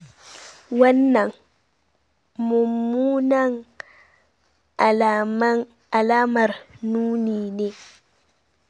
Wannan mumunan alamar nuni ne